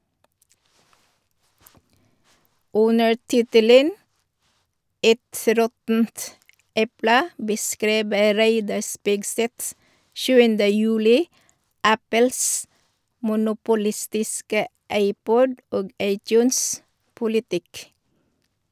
Under tittelen «Et råttent eple » beskriver Reidar Spigseth 7. juli Apples monopolistiske iPod- og iTunes- politikk.